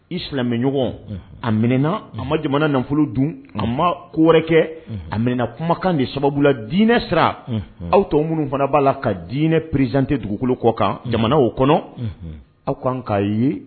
I silamɛmɛɲɔgɔn a a ma jamana nafolo dun a ma koɔri kɛ amin kumakan de sababula dinɛ sira aw tɔ minnu fana b'a la ka dinɛ prizante dugukolo kɔ kan jamana o kɔnɔ aw k'an k'a ye